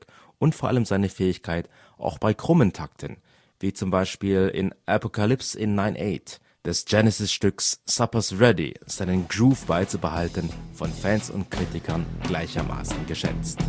und vor allem seine Fähigkeit, auch bei „ krummen “Takten (wie z. B. in Apocalypse in 9/8? / i des Genesis-Stücks Supper 's Ready) seinen Groove beizubehalten von Fans und Kritikern gleichermaßen geschätzt